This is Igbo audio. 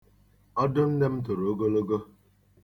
Ọdụ nne m toro ogologo.